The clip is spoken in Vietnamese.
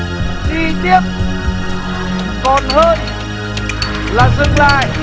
đi tiếp còn hơn là dừng lại